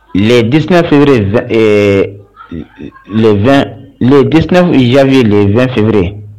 ledina feere le ledina jabiye 2 feere